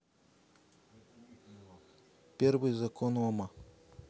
первый закон ома